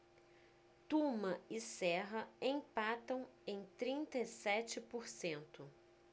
tuma e serra empatam em trinta e sete por cento